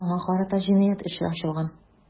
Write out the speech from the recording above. Аңа карата җинаять эше ачылган.